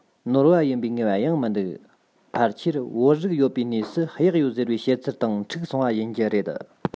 ནོར བ ཡིན པའི ངེས པ ཡང མི འདུག ཕལ ཆེར བོད རིགས ཡོད པའི གནས སུ གཡག ཡོད ཟེར བའི བཤད ཚུལ དང འཁྲུག སོང བ ཡིན རྒྱུ རེད